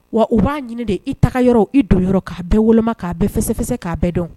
Wa u b'a ɲini de i taga yɔrɔ i don yɔrɔ k'a bɛɛ wolo k'a bɛɛ fɛsɛfɛsɛ k'a bɛɛ dɔn